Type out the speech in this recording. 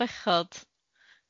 O bechod.